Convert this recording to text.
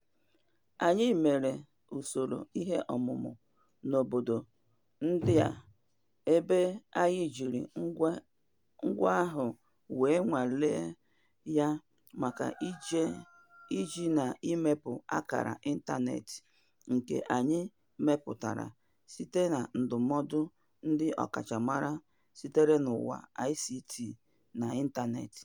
Anyị mere usoro iheọmụmụ n'obodo ndị a ebe anyị jiri ngwa ahụ wee nwalee ya maka iji na imepe akara ịntaneetị nke anyị mepụtara site na ndụmọdụ ndị ọkachamara sitere n'ụwa ICT na ịntaneetị.